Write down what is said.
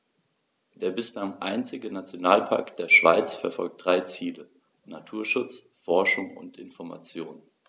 Der bislang einzige Nationalpark der Schweiz verfolgt drei Ziele: Naturschutz, Forschung und Information.